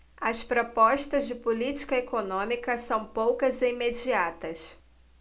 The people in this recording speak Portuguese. as propostas de política econômica são poucas e imediatas